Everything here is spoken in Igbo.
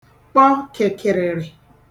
kpọ kị̀kị̀rị̀rị̀